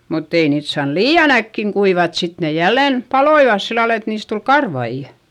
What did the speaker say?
mutta ei niitä saanut liian äkkiä kuivata sitten ne jälleen paloivat sillä lailla että niistä tuli karvaita